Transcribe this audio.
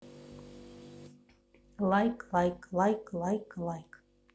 лайк лайк лайк лайк лайк